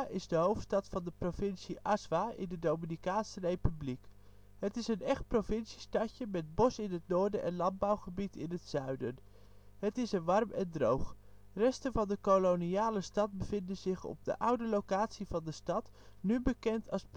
is de hoofdstad van de provincie Azua in de Dominicaanse Republiek. Het is een echt provinciestadje met bos in het noorden en landbouwgebied in het zuiden. Het is er warm en droog. Resten van de koloniale stad bevinden zich op de oude lokatie van de stad, nu bekend als